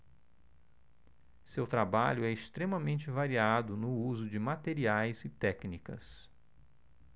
seu trabalho é extremamente variado no uso de materiais e técnicas